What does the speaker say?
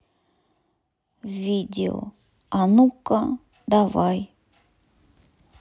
видео а ну ка давай